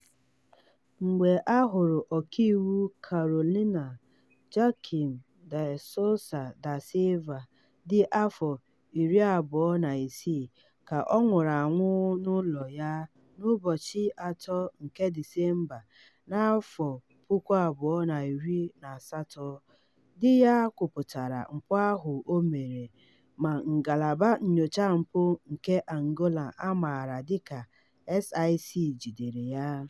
Mgbe a hụrụ ọkaiwu Carolina Joaquim de Sousa da Silva dị afọ 26 ka ọ nwụrụ anwụ n'ụlọ ya n'ụbọchị 3 nke Disemba, 2018, di ya kwupụtara mpụ ahụ o mere ma ngalaba nnyocha mpụ nke Angola a maara dịka SIC jidere ya.